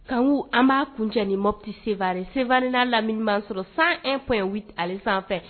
Sanku an b'a kunc ni moti senvrivrila laminiman sɔrɔ san p ani sanfɛ